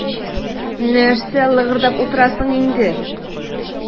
Нәрсә лыгырдап утырасың инде.